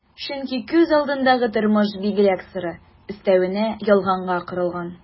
Чөнки күз алдындагы тормыш бигрәк соры, өстәвенә ялганга корылган...